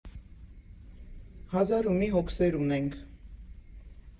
Հազար ու մի հոգսեր ունենք։